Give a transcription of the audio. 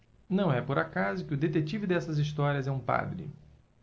não é por acaso que o detetive dessas histórias é um padre